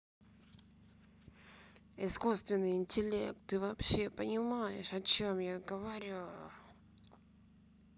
искусственный интеллект ты вообще понимаешь о чем я говорю